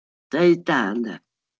Deud da, ynde